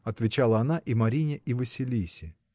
— отвечала она и Марине, и Василисе.